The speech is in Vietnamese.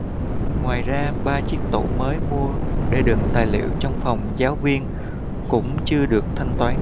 ngoài ra ba chiếc tủ mới mua để đựng tài liệu trong phòng giáo viên cũng chưa được thanh toán